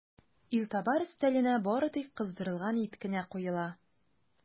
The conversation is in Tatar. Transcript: Илтабар өстәленә бары тик кыздырылган ит кенә куела.